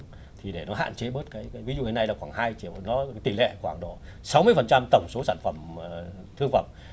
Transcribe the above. thì để nó hạn chế bớt kể về ví dụ hiện nay là khoảng hai triệu do tỷ lệ khoảng độ sáu mươi phần trăm tổng số sản phẩm thực phẩm